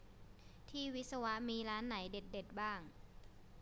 ที่วิศวะมีร้านไหนเด็ดเด็ดบ้าง